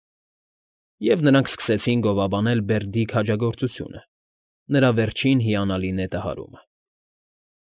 Եվ նրանք սկսեցին գովաբանել Բերդի քաջագործությունը, նրա վերջին հիանալի նետահարումը։